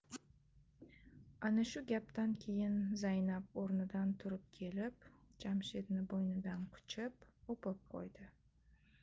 ana shu gapdan keyin zaynab o'rnidan turib kelib jamshidni bo'ynidan quchib o'pib qo'ydi